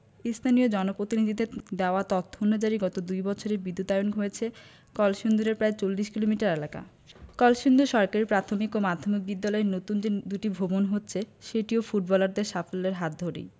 স্থানীয় জনপ্রতিনিধিদের দেওয়া তথ্য অনুযায়ী গত দুই বছরে বিদ্যুতায়ন হয়েছে কলসিন্দুরের প্রায় ৪০ কিলোমিটার এলাকা কলসিন্দুর সরকারি প্রাথমিক ও মাধ্যমিক বিদ্যালয়ে নতুন যে দুটি ভবন হচ্ছে সেটিও ফুটবলারদের সাফল্যের হাত ধরেই